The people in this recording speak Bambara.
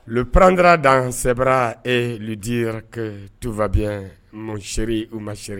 Luprankarara dan sɛra e dira tufabisri u masri